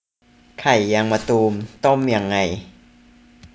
ไข่ยางมะตูมต้มยังไง